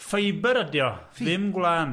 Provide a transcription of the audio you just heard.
Ffibyr ydio, ddim gwlan.